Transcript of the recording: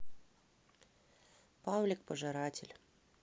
павлик пожиратель